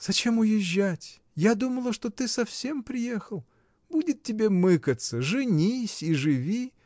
— Зачем уезжать: я думала, что ты совсем приехал. Будет тебе мыкаться! Женись и живи.